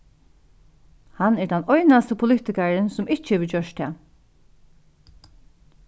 hann er tann einasti politikarin sum ikki hevur gjørt tað